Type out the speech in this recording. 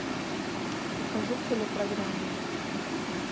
покажи телепрограмму